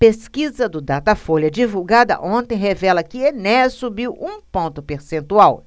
pesquisa do datafolha divulgada ontem revela que enéas subiu um ponto percentual